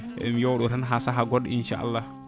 eyyi mi yoowa ɗo tan ha saaha goɗɗo inchallah